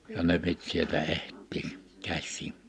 ja ne piti sieltä etsiä käsiin